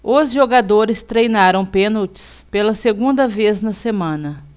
os jogadores treinaram pênaltis pela segunda vez na semana